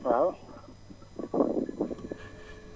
waaw